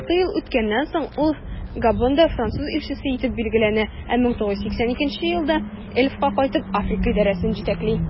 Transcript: Алты ел үткәннән соң, ул Габонда француз илчесе итеп билгеләнә, 1982 елда Elf'ка кайтып, Африка идарәсен җитәкли.